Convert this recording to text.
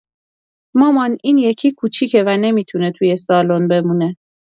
مامان، این یکی کوچیکه و نمی‌تونه توی سالن بمونه.